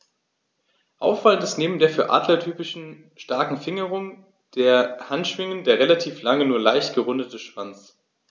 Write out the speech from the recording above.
Auffallend ist neben der für Adler typischen starken Fingerung der Handschwingen der relativ lange, nur leicht gerundete Schwanz.